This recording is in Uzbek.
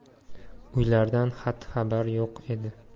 ulardan xat xabar yo'q edi